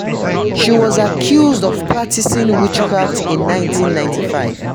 She was accused of practicing witchcraft in 1995.